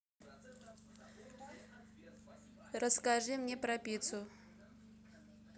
расскажи мне про пицу